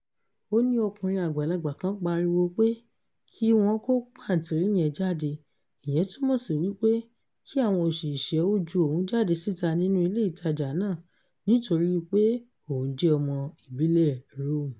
Ó ní ọkùnrin àgbàlagbà kan pariwo pé kí wọ́n "kó pàǹtí yẹn jáde", ìyẹn túmọ̀ sí wípé kí àwọn òṣìṣẹ́ ó ju òun jáde síta nínú ilé ìtajà náà nítorí pé òun jẹ́ ọmọ ìbílẹ̀ Rome.